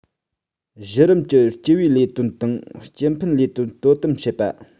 གཞི རིམ གྱི སྤྱི པའི ལས དོན དང སྤྱི ཕན ལས དོན དོ དམ བྱེད པ